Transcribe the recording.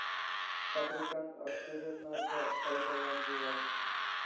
Фабрикант акчуриннар да файдаландылар.